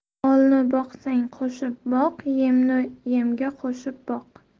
molni boqsang qo'shib boq yemni yemga qo'shib boq